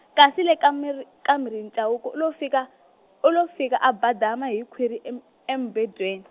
kasi le kameri- kamareni Chauke u lo fika , u lo fika a badama hi khwiri em- emubedweni.